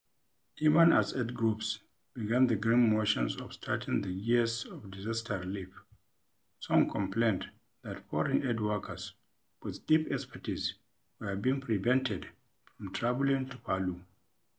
Even as aid groups began the grim motions of starting the gears of disaster relief, some complained that foreign aid workers with deep expertise were being prevented from traveling to Palu.